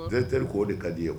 Ne teriri ko' de ka d di ye kuwa